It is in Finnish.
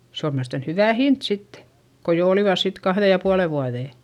se on mielestäni hyvä hinta sitten kun jo olivat sitten kahden ja puolen vuoden